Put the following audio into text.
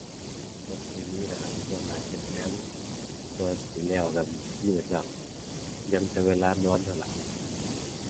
บ่ค่อยมีแหล้วครับ ส่วนหลายเฮ็ดงาน สั่วสิแล้วก็มืดแล้ว ยังแต่เวลานอนหั้นล่ะ